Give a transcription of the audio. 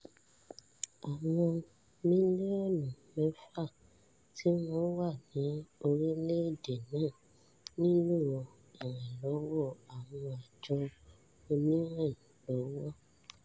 Àwọn mílíọ́nù 6 tí wọ́n wà ní orílẹ̀-èdè náà nílò ìrànlọ́wọ́ àwọn àjọ onírànlọ́wọ́.